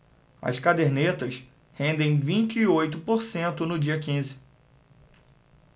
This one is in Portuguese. as cadernetas rendem vinte e oito por cento no dia quinze